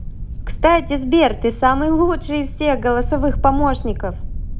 кстати сбер ты самый лучший из всех голосовых помощников